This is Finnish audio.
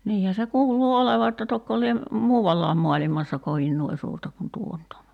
niinhän se kuuluu olevan että tokko lie muualla maailmassa kovin noin suurta kuin tuo nyt on